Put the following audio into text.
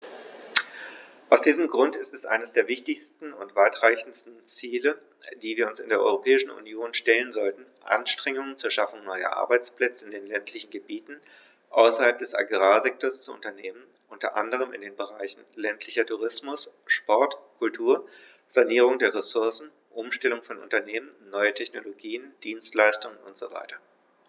Aus diesem Grund ist es eines der wichtigsten und weitreichendsten Ziele, die wir uns in der Europäischen Union stellen sollten, Anstrengungen zur Schaffung neuer Arbeitsplätze in den ländlichen Gebieten außerhalb des Agrarsektors zu unternehmen, unter anderem in den Bereichen ländlicher Tourismus, Sport, Kultur, Sanierung der Ressourcen, Umstellung von Unternehmen, neue Technologien, Dienstleistungen usw.